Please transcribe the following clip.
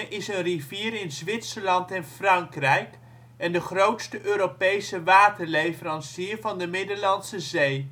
is een rivier in Zwitserland en Frankrijk en de grootste Europese waterleverancier van de Middellandse Zee